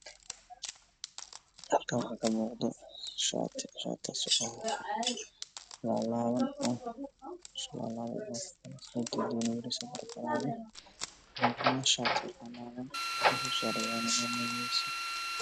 Kal kaan waxaa ka muuqda shaati laa laaban